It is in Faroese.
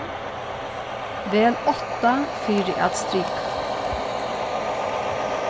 vel átta fyri at strika